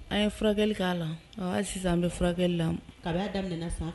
An ye furakɛli k'a la sisan an bɛ furakɛli la ka daminɛ sa